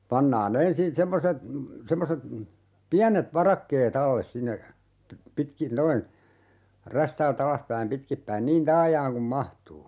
pannaan ensin semmoiset semmoiset pienet varakkeet alle sinne - pitkin noin räystäältä alaspäin pitkin päin niin taajaan kuin mahtuu